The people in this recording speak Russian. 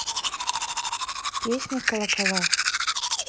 песня кокола